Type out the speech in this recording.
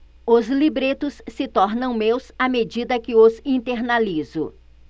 os libretos se tornam meus à medida que os internalizo